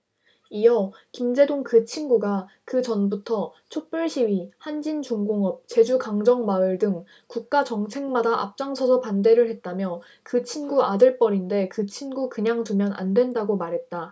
이어 김제동 그 친구가 그 전부터 촛불시위 한진중공업 제주강정마을 등 국가 정책마다 앞장서서 반대를 했다며 그 친구 아들뻘인데 그 친구 그냥 두면 안 된다고 말했다